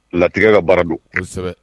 Latigɛ ka baara don kosɛbɛ